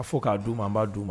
A fo k'a dun maa b'a don ma